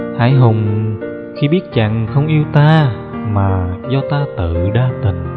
hãi hùng khi biết chàng không yêu ta mà do ta tự đa tình